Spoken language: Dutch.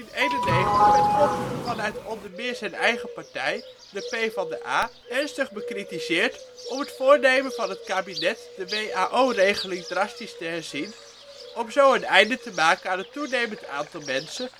1991 werd Kok vanuit onder meer zijn eigen partij, de PvdA, ernstig bekritiseerd om het voornemen van het kabinet de WAO-regeling drastisch te herzien, om zo een einde te maken aan het toenemend aantal mensen